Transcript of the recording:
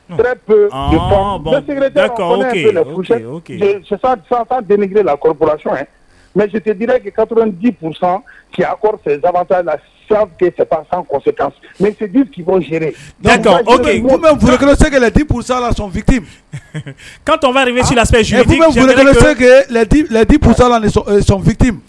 Da la kajisata la bɛkisɛ disa la son fit kantori bɛ ladisa la son fit